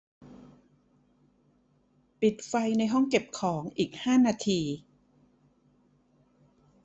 ปิดไฟในห้องเก็บของอีกห้านาที